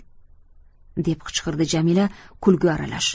deb qichqirdi jamila kulgi aralash